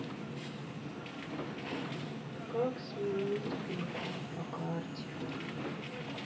как сменить пин код по карте